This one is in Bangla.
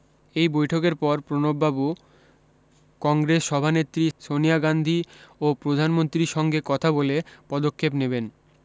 এই বৈঠকের পর প্রণববাবু কংগ্রেস সভানেত্রী সনিয়া গান্ধী ও প্রধানমন্ত্রীর সঙ্গে কথা বলে পদক্ষেপ নেবেন